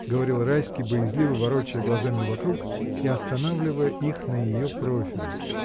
— говорил Райский, боязливо ворочая глазами вокруг и останавливая их на ее профиле.